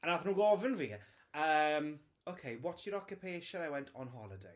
A wnaethon nhw gofyn fi yym; "ok, what's your occupation?" I went; "on holiday."